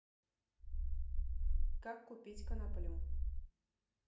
как купить коноплю